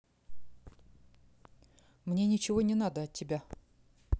мне ничего не надо от тебя